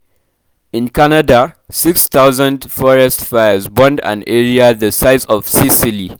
In Canada, 6,000 forest fires burned an area the size of Sicily.